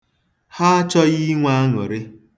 Ha achọghị inwe anụrị.